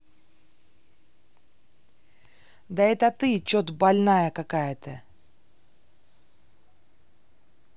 да это ты че то больная какая то